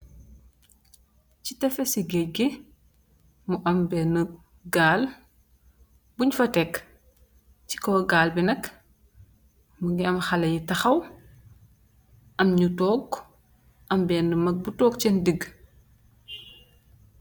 Si tafisi guage gi am benah gaal bunye fa tek si kaw gaal bi nak mungi am khaleh yufa takhaw am nyu tok am benuh mak bu tok sen diguh